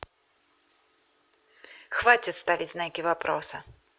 хватит ставить знаки вопроса